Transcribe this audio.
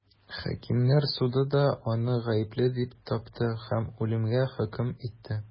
Хакимнәр суды да аны гаепле дип тапты һәм үлемгә хөкем итте.